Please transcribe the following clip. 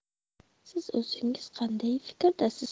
siz o'zingiz qanday fikrdasiz